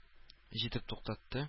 Җитеп туктатты